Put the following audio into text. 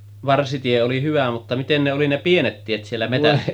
Varsitie oli hyvä mutta miten ne oli ne pienet tiet siellä metsässä